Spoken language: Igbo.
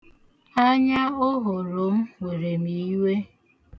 Anya o horo m were m iwe.